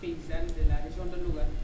paysane de la région de Louga